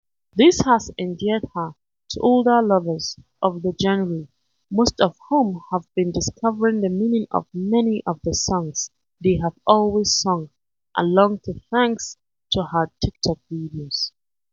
This has endeared her to older lovers of the genre, most of whom have been discovering the meaning of many of the songs they have always sung along to thanks to her TikTok videos.